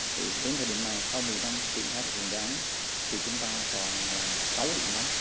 thì đến thời điểm này sau mười năm triển khai thực hiện đề án thì chúng ta còn là sáu điểm nóng